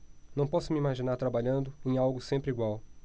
não posso me imaginar trabalhando em algo sempre igual